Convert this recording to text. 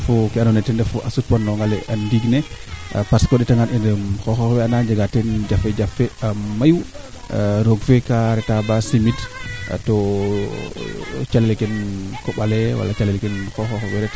xa elewa xina xeene xana ndet ecole i mboot lool naxa qola xe ke wareena o xemban waag ke xendan tel nee waritna Djiby me naxuka njungong na daduk we ndeta nga ecole o leŋyoquma